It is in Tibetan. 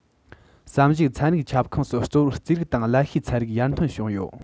བསམ གཞིགས ཚན རིག ཁྱབ ཁོངས སུ གཙོ བོར རྩིས རིག དང ཀླད ཤེས ཚན རིག ཡར ཐོན བྱུང ཡོད